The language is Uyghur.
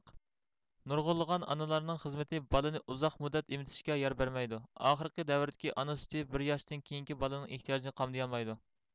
نۇرغۇنلىغان ئانىلارنىڭ خىزمىتى بالىنى ئۇزاق مۇددەت ئېمتىشكە يار بەرمەيدۇ ئاخىرقى دەۋردىكى ئانا سۈتى بىر ياشتىن كېيىنكى بالىنىڭ ئېھتىياجىنى قامدىيالمايدۇ